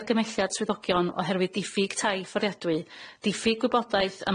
argymelliad swyddogion oherwydd diffyg tai ffordiadwy, diffyg gwybodaeth